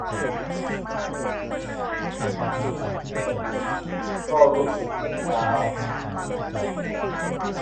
เดินอยู่ดีดีก็รู้สึกเจ็บเท้า